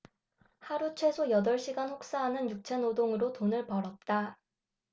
하루 최소 여덟 시간 혹사하는 육체노동으로 돈을 벌었다